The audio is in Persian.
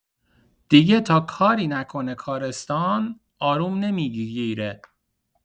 دیگه تا کاری نکنه کارستان آروم نمیگیگیره